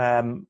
Yym.